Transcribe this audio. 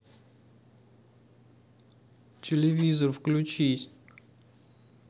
телевизор включись